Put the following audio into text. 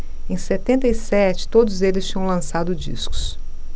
em setenta e sete todos eles tinham lançado discos